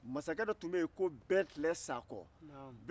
mansakɛ dɔ tun bɛ ye ko bɛtilɛn sacko